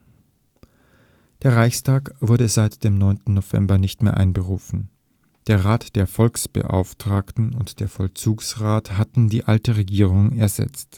Der Reichstag wurde seit dem 9. November nicht mehr einberufen. Der Rat der Volksbeauftragten und der Vollzugsrat hatten die alte Regierung ersetzt